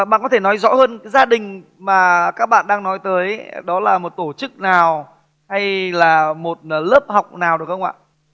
bạn có thể nói rõ hơn gia đình mà các bạn đang nói tới đó là một tổ chức nào hay là một lớp học nào được không ạ